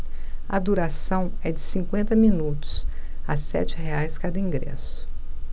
a duração é de cinquenta minutos a sete reais cada ingresso